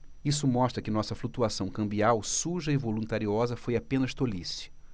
isso mostra que nossa flutuação cambial suja e voluntariosa foi apenas tolice